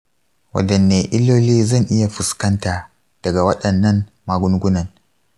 wadanne illoli zan iya fuskanta daga waɗannan magungunan?